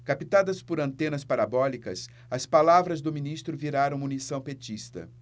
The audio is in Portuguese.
captadas por antenas parabólicas as palavras do ministro viraram munição petista